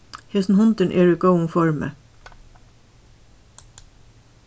hesin hundurin er í góðum formi